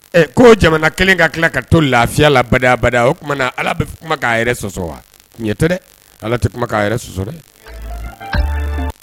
Ɛ ko jamana kelen ka tila ka to lafiya la ba oumana ala bɛ kuma k'a yɛrɛ sɔsɔ wa tɛ dɛ ala tɛ kuma k'a yɛrɛ soso sɔ dɛ